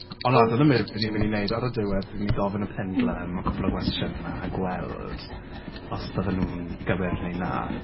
Ond na, dyna be ni mynd i wneud ar y diwedd fi'n mynd i gofyn y pendulum cwpl o gwestiynau a gweld os bydden nhw'n gywir neu na.